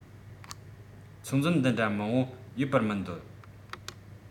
ཚོད འཛིན འདི འདྲ མང བོ ཡོད པར མི འདོད